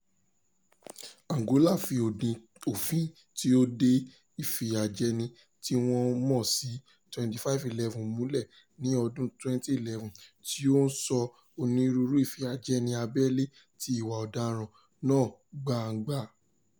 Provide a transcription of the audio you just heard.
Angola fi ìdí òfin tí ó ń de ìfìyàjẹni tí wọ́n mọ̀ sí 25/11 múlẹ̀ ní ọdún 2011 tí ó ń sọ onírúurú ìfìyàjẹni abẹ́lé di ìwà ọ̀daràn ní gbangba.